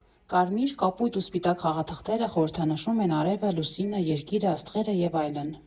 Կարմիր, կապույտ ու սպիտակ խաղաթղթերը խորհրդանշում են արևը, լուսինը, երկիրը, աստղերը և այլն։